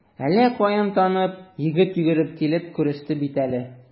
Әллә каян танып, егет йөгереп килеп күреште бит әле.